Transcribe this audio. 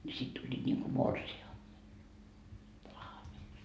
niin sitten tulivat niin kuin - morsianlahjaksi